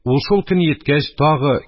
Ул шул көн йиткәч, тагы,